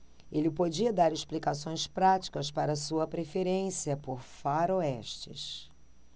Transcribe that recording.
ele podia dar explicações práticas para sua preferência por faroestes